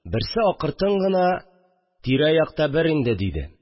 Берсе акыртын гына: «Тирә-якта бер инде!» – диде